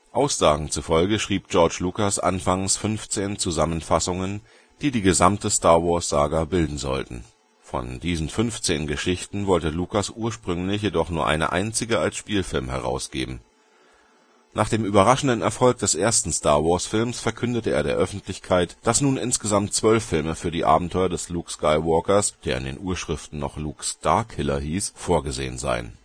Aussagen zufolge schrieb George Lucas anfangs fünfzehn Zusammenfassungen, die die gesamte Star-Wars-Saga bilden sollten. Von diesen fünfzehn Geschichten wollte Lucas ursprünglich jedoch nur eine einzige als Spielfilm herausgeben. Nach dem überraschenden Erfolg des ersten Star-Wars-Films verkündete er der Öffentlichkeit, dass nun insgesamt zwölf Filme für die Abenteuer des Luke Skywalkers (in den Urschriften noch Luke Starkiller benannt) vorgesehen seien